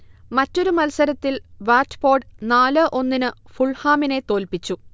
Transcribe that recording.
മറ്റൊരു മത്സരത്തിൽ വാറ്റ്പോർഡ് നാല് ഒന്നിന് ഫുൾഹാമിനെ തോൽപ്പിച്ചു